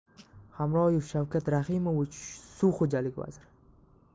hamroyev shavkat rahimovich suv xo'jaligi vaziri